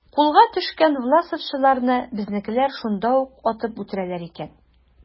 Кулга төшкән власовчыларны безнекеләр шунда ук атып үтерәләр икән.